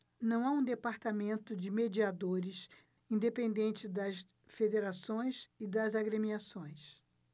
não há um departamento de mediadores independente das federações e das agremiações